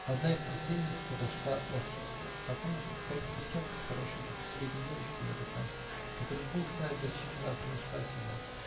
Одна из последних подошла проститься с покойницей какая-то крестьянка с хорошенькой пятилетней девочкой на руках, которую, Бог знает зачем, она принесла сюда.